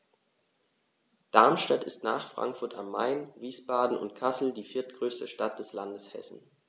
Darmstadt ist nach Frankfurt am Main, Wiesbaden und Kassel die viertgrößte Stadt des Landes Hessen